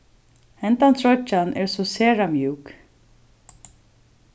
hendan troyggjan er so sera mjúk